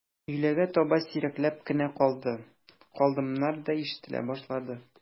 Өйләгә таба сирәкләп кенә «калды», «калдым»нар да ишетелә башлады.